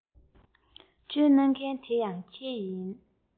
བསྩོལ གནང མཁན དེ ཡང ཁྱེད ཡིན